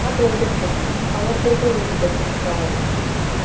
Аларга берәү дә керми, алар бергә йөрергә тырышалар.